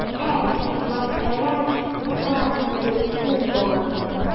Әй, шулай әрәм була инде кыз бала.